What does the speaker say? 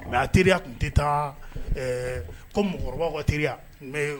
Mɛ a teri tun tɛ taa ko mɔgɔkɔrɔba ka teri mɛ